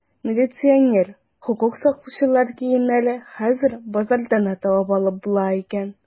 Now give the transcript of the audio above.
Милиционер, хокук сакчылары киемнәрен хәзер базардан да табып була икән.